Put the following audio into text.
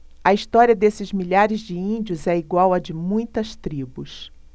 a história desses milhares de índios é igual à de muitas tribos